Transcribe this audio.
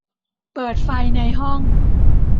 เปิดไฟในห้อง